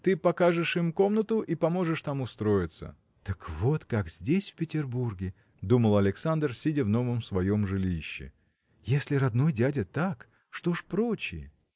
ты покажешь им комнату и поможешь там устроиться. Так вот как здесь, в Петербурге. – думал Александр сидя в новом своем жилище – если родной дядя так что ж прочие?.